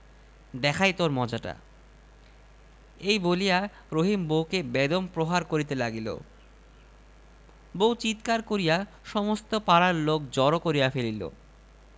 তখন একটি এত বড় শোলমাছ আমার লাঙলের তলে লাফাইয়া উঠিয়াছিল সেইটি ধরিয়া আনিয়া বউকে রান্না করিতে দিয়াছিলাম আর হাসির গল্প ৭৬